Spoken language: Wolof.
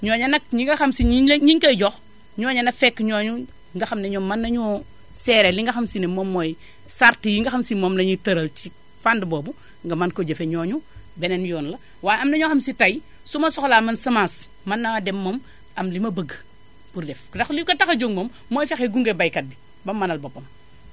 ñooñ a nag ñi nga xam si ñi ngi ñiñu koy jox ñooña na fekk ñooñu nga xam ne ñoom mën nañoo gérer li nga xam si ne moom mooy chartes yi nga xam si moom lañuy tëral ci fànn boobu nga mën ko jëfee ñooñu beneen yoon la waaye am na ñoo xam si tay su ma soxlaa man semence man naa dem ma am li ma bëgg pour def ndax li ko tax a jóg moom mooy fexe gunge baykat bi ba mu mënal boppam